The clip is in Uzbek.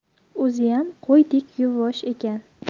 o'ziyam qo'ydek yuvosh ekan